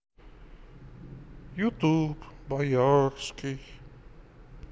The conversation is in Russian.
ютуб боярский